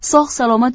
sog' salomat